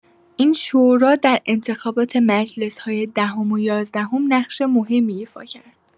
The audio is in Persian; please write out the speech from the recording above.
این شورا در انتخابات مجلس‌‌های دهم و یازدهم نقش مهمی ایفا کرد.